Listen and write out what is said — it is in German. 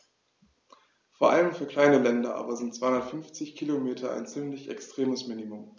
Vor allem für kleine Länder aber sind 250 Kilometer ein ziemlich extremes Minimum.